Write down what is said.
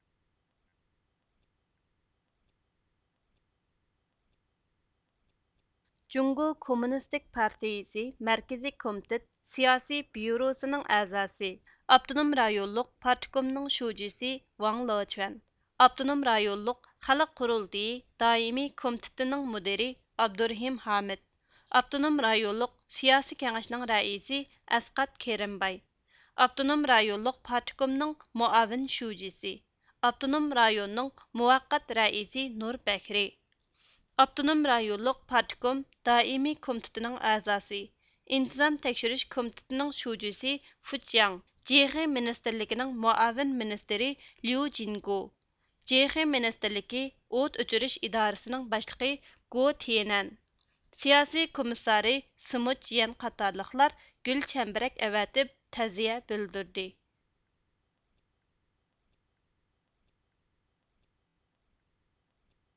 جۇڭگو كوممۇنىستىك پارتىيىسى مەركىزى كومىتېت سىياسىي بىيۇروسىنىڭ ئەزاسى ئاپتونوم رايونلۇق پارتكومنىڭ شۇجىسى ۋاڭ لېچۈەن ئاپتونوم رايونلۇق خەلق قۇرۇلتىيى دائىمىي كومىتېتىنىڭ مۇدىرى ئابدۇرېھىم ھامىد ئاپتونوم رايونلۇق سىياسىي كېڭەشنىڭ رەئىسى ئەسقەت كىرىمباي ئاپتونوم رايونلۇق پارتكومنىڭ مۇئاۋىن شۇجىسى ئاپتونوم رايوننىڭ مۇۋەققەت رەئىسى نۇر بەكرى ئاپتونوم رايونلۇق پارتكوم دائىمىي كومىتېتىنىڭ ئەزاسى ئىنتىزام تەكشۈرۈش كومىتېتىنىڭ شۇجىسى فۇ چياڭ جې خې مىنىستىرلىكىنىڭ مۇئاۋىن مىنىستىرى ليۇجىنگو جې خې مىنىستىرلىكى ئوت ئۆچۈرۈش ئىدارىسىنىڭ باشلىقى گو تيېنەن سىياسىي كومىسسارى شېموچيەن قاتارلىقلار گۈل چەمبىرەك ئەۋەتىپ تەزىيە بىلدۈردى